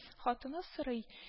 Хатыны сорый: